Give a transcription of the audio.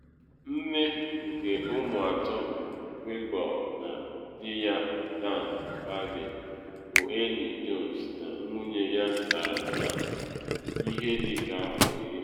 Nne nke ụmụ atọ Willoughby na dị ya Dan Baldwin bụ enyi Jones na nwunye ya Tara Capp ihe dị ka afọ iri.